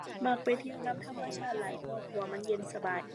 มักไปเที่ยวนำธรรมชาติหลายกว่า เพราะว่ามันเย็นสบาย